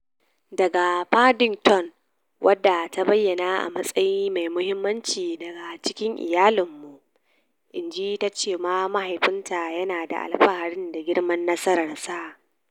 Daga Paddington, wadda ta bayyana a matsayin "mai mahimmanci daga cikin iyalinmu," in ji ta cewa mahaifinta yana da alfaharin da girman nasararsa.